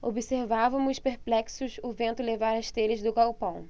observávamos perplexos o vento levar as telhas do galpão